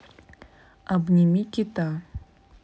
обними кита